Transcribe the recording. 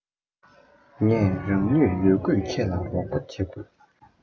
ངས རང ནུས ཡོད རྒུས ཁྱེད ལ དགའ པོ བྱས